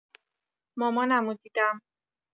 مامانمو دیدم